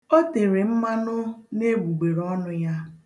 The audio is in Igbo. O tere mmanụ n'egbugbereọnụ ya.